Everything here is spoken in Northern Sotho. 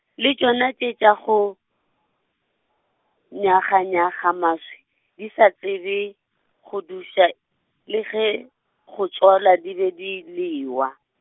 le tšona tše tša go, nyaganyaga maswi, di sa tsebe, go duša, le ge, go tswala di be di lewa.